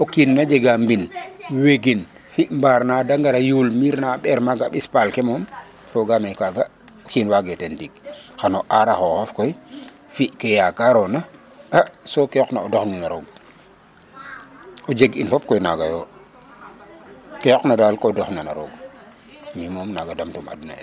o kina jega mbin wegin fi mbaar na de ngara yul miir na a ɓeer maga a ɓis paal ke moom fogame kaga o kin wage teen tig xano ara xoxof koy fi ke yakarona a so ke yoq na a dox nina roog o jeg in fop koy naga yo ke yoq na a dox nana roog mi moom naga dam tum adna es